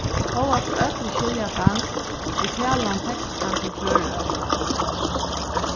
hóast øll skilja danskt er talan tekstað til føroyskt